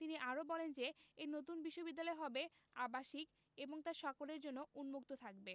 তিনি আরও বলেন যে এ নতুন বিশ্ববিদ্যালয় হবে আবাসিক এবং তা সকলের জন্য উন্মুক্ত থাকবে